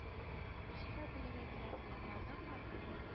Өчкә бүләргә кирәк аңладыңмы